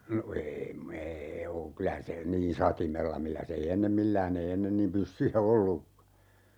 no -- ei ole kyllä se niin satimella millä se ei ennen millään ei ennen niin pyssyjä ollutkaan